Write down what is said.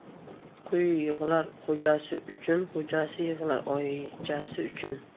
qui yig'lar xo'jasi uchun xo'jasi yig'lar oijasi uchun